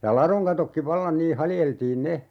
ja ladon katotkin vallan niin haljeltiin ne